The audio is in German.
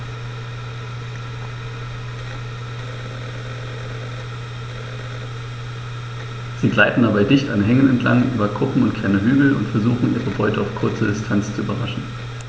Sie gleiten dabei dicht an Hängen entlang, über Kuppen und kleine Hügel und versuchen ihre Beute auf kurze Distanz zu überraschen.